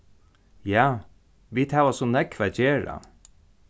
ja vit hava so nógv at gera